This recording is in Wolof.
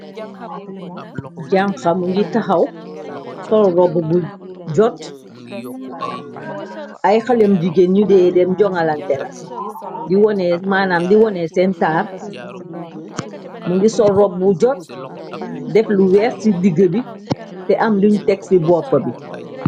Janxa mungi taxaw, sol robb bu jot, ay xalem jigen nu dee dem joŋalante la. Di wone maanam di wone seen taar, mu mungi sol rob bu jot, def lu weex ci digga bi te am luñ tegi boppa bi.